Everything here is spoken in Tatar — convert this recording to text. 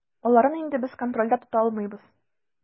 Аларын инде без контрольдә тота алмыйбыз.